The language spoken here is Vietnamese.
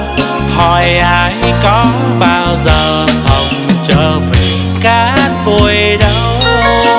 hỏi ai có bao giờ không trở về cát bụi đâu